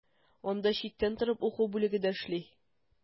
Анда читтән торып уку бүлеге дә эшли.